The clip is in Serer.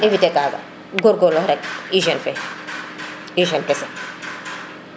éviter kagagoor goor loox rek hygiene fe hygiene kese